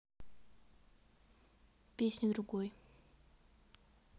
песни другой